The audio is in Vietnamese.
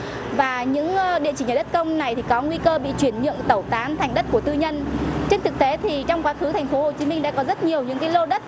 và những địa chỉ nhà đất công này thì có nguy cơ bị chuyển nhượng tẩu tán thành đất của tư nhân trên thực tế thì trong quá khứ thành phố hồ chí minh đã có rất nhiều những cái lô đất